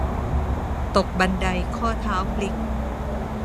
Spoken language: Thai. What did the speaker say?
ตกบันไดข้อเท้าพลิก